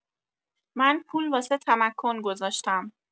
من پول واسه تمکن گذاشتم